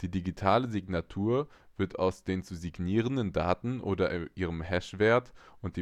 digitale Signatur wird aus den zu signierenden Daten oder ihrem Hashwert und